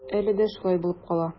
Әле дә шулай булып кала.